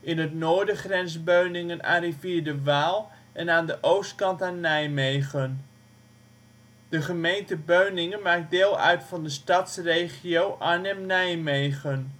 In het noorden grenst Beuningen aan rivier de Waal en aan de oostkant aan Nijmegen. De gemeente Beuningen maakt deel uit van de Stadsregio Arnhem-Nijmegen